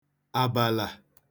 àbàlà